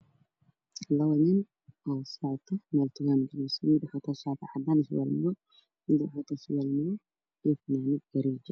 Laba nin oo wada socota oo mareysa dukaan mid wuxuu wata raatacadaan surwaal madow midda kalena shaato caddaan sirwal jaallac